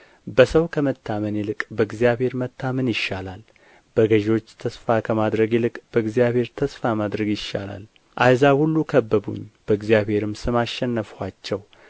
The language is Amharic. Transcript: በሰው ከመታመን ይልቅ በእግዚአብሔር መታመን ይሻላል በገዦች ተስፋ ከማድረግ ይልቅ በእግዚአብሔር ተስፋ ማድረግ ይሻላል አሕዛብ ሁሉ ከበቡኝ በእግዚአብሔርም ስም አሸነፍኋቸው